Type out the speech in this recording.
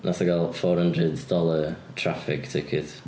Wnaeth o gael four hundred dollar traffic ticket.